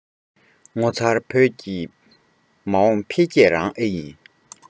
ངོ མཚར བོད ཀྱི མ འོངས འཕེལ རྒྱས རང ཨེ ཡིན